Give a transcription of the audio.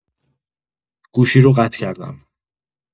گوشی رو قطع کردم.